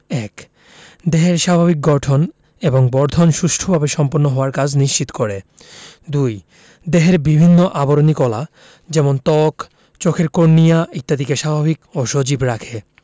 ১. দেহের স্বাভাবিক গঠন এবং বর্ধন সুষ্ঠুভাবে সম্পন্ন হওয়ার কাজ নিশ্চিত করে ২. দেহের বিভিন্ন আবরণী কলা যেমন ত্বক চোখের কর্নিয়া ইত্যাদিকে স্বাভাবিক ও সজীব রাখে